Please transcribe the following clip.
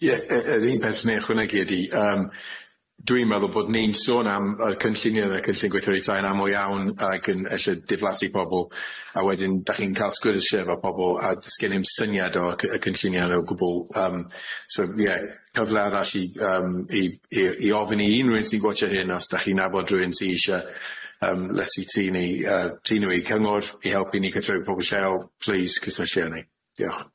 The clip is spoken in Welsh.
Ie yy yy yr un peth 'swn i'n ychwanegu ydi yym dwi'n meddwl bod ni'n sôn am y cynllunio ne' y cynllun gwerthu tai yn amal iawn ag yn ella diflasu bobol a wedyn dach chi'n ca'l sgwrshie efo pobol a sgen i'm syniad o'r cy- yy cynllunio nw o gwbwl yym so ie cyfle arall i yym i i i ofyn i unrywun sy'n watsho hyn os dach chi'n nabod rywun sy ishe yym lesu tŷ ni yy tŷ nw i cyngor i helpu ni cyfrefu pobl lleol plîs cysylltu â ni, diolch.